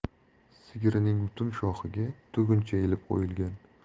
sigirining butun shoxiga tuguncha ilib qo'yilgan